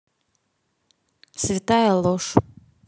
святая ложь